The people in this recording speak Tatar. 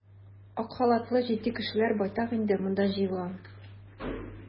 Ак халатлы җитди кешеләр байтак инде монда җыелган.